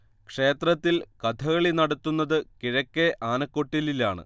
ക്ഷേത്രത്തിൽ കഥകളി നടത്തുന്നത് കിഴക്കേ ആനക്കൊട്ടിലിലാണ്